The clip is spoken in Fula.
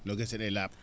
yo gese ?ee laa?